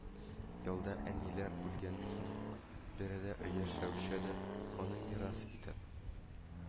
Елда әниләре үлгәннән соң, биредә яшәүче дә, аны мирас итеп